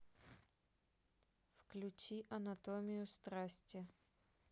включи анатомию страсти